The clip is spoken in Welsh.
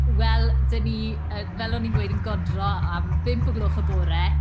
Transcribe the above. Wel dan ni, yy fel o'n i'n gweud, yn godro am bump o gloch y bore...